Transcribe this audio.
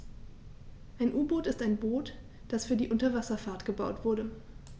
Ein U-Boot ist ein Boot, das für die Unterwasserfahrt gebaut wurde.